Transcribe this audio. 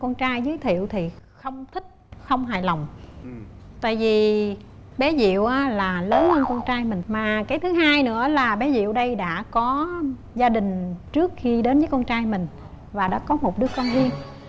con trai giới thiệu thì hông thích hông hài lòng tại dì bé diệu á là lớn hơn con trai mình mà cái thứ hai nữa là bé diệu đây đã có gia đình trước khi đến với con trai mình và đã có một đứa con riêng